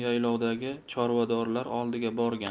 yaylovdagi chorvadorlar oldiga borgan